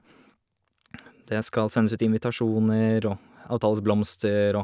Det skal sendes ut invitasjoner og avtales blomster og...